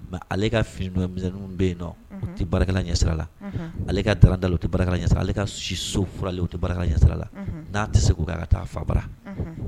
Mɛ ale ka finimisɛn bɛ yen o tɛ baarakɛla ɲɛsiran, la ale ka dara dali o tɛ ɲɛsira la, ale ka siso furali o tɛ baarakɛla ɲɛsiran la, n'a tɛ se k'o kɛ, a ka taa a fa bara.